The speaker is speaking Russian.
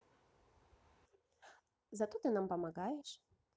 зато ты нам помогаешь